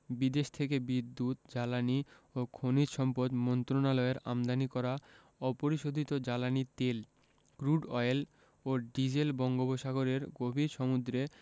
বিদেশ থেকে বিদ্যুৎ জ্বালানি ও খনিজ সম্পদ মন্ত্রণালয়ের আমদানি করা অপরিশোধিত জ্বালানি তেল ক্রুড অয়েল ও ডিজেল বঙ্গোপসাগরের গভীর সমুদ্রে